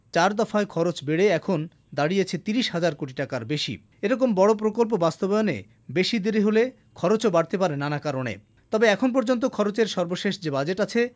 চার দফায় খরচ বেড়ে এখন দাঁড়িয়েছে ৩০ হাজার কোটি টাকার বেশি এরকম বড় প্রকল্প বাস্তবায়নে বেশি দেরি হলে খরচ ও বাড়তে পারে নানা কারণে তবে এখন পর্যন্ত খরচ এর সর্বশেষ যে বাজেট আছে